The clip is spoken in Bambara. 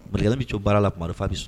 Kɛ bɛ to baara la bɛ so